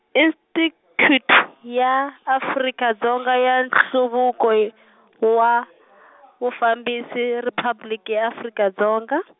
Insticuti ya Afrika Dzonga ya Nhluvuko Y-, wa , Vufambisi Riphabliki ya Afrika Dzonga.